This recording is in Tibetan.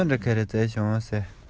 མ བཞག པར ཐད ཀར རྒད པོ